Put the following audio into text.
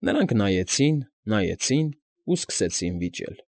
Նրանք նայեցին, նայեցին ու սկսեցին վիճել։